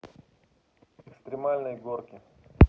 экстремальные горки